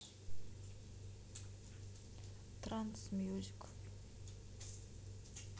транс мьюзик